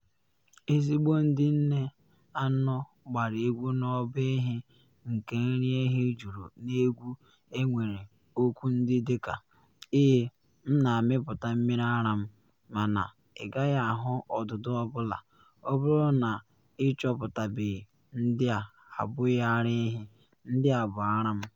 Ezigbo ndị nne anọ gbara egwu n’ọba ehi nke nri ehi juru n’egwu nwere okwu ndị dị ka: “Ee, m na amịpụta mmiri ara m, mana ị gaghị ahụ ọdụdụ ọ bụla ”Ọ bụrụ na ị chọpụtabeghị ndị a abụghị ara ehi, ndị a bụ ara m.”